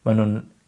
ma' nw'n